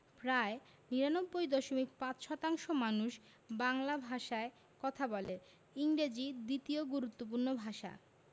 প্রায় ৯৯দশমিক ৫শতাংশ মানুষ বাংলা ভাষায় কথা বলে ইংরেজি দ্বিতীয় গুরুত্বপূর্ণ ভাষা